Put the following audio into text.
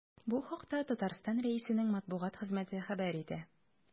Бу хакта Татарстан Рәисенең матбугат хезмәте хәбәр итә.